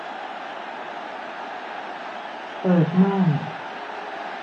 เปิดม่าน